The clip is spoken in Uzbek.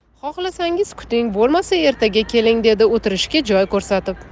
xohlasangiz kuting bo'lmasa ertaga keling dedi o'tirishga joy ko'rsatib